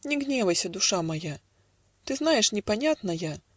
Не гневайся, душа моя, Ты знаешь, непонятна я.